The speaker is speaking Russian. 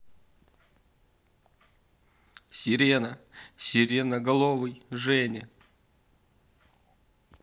сирена сиреноголовый женя